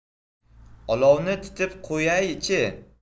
olovni titib qo'yay chi